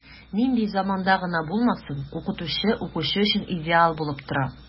Нинди заманда гына булмасын, укытучы укучы өчен идеал булып тора.